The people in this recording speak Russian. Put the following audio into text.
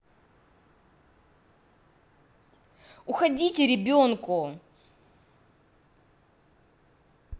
уходите ребенку